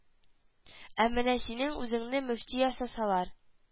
Ә менә синең үзеңне мөфти ясасалар